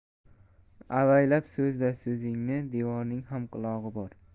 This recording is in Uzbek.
avaylab so'zla so'zingni devorning ham qulog'i bor